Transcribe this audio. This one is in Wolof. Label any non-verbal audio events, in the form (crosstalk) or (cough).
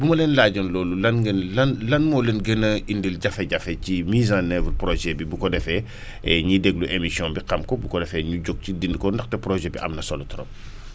bu ma leen laajoon loolu lan ngeen lan lan moo leen gën a indil jafe-jafe ci mise en oeuvre projet bi bu ko defee (breath) tey ñiy déglu émission bi xam ko bu ko defee énu jóg ci dindi ko ndaxte projet bi am na solo trop